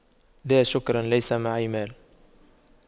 لا شكرا ليس معي مال